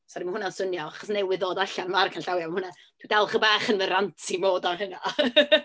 Sori mae hwnna'n swnio... achos newydd ddod allan mae'r canllawiau. Mae hwnna, dwi dal chydig bach yn y ranty mode o hynna .